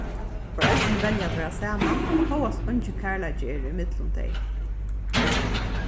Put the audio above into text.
foreldrini velja at vera saman hóast eingin kærleiki er ímillum tey